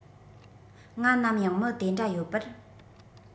ང ནམ ཡང མི དེ འདྲ ཡོད པར